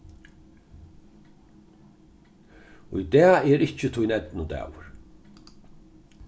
í dag er ikki tín eydnudagur